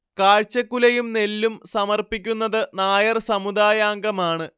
കാഴ്ചക്കുലയും നെല്ലും സമർപ്പിക്കുന്നത് നായർ സമുദായാംഗമാണ്